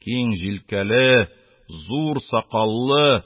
Киң жилкәле, зур сакаллы,